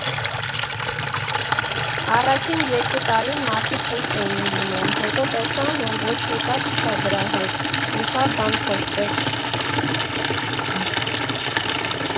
Առաջին երկու տարին մարդիկ հուշտ էին լինում, հետո տեսան, որ ոչ մի կապ չկա դրա հետ, ու շատ բան փոխվեց»։